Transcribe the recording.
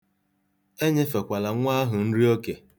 Enyefekwala nnwa ahụ nri oke.